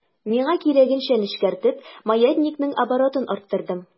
Миңа кирәгенчә нечкәртеп, маятникның оборотын арттырдым.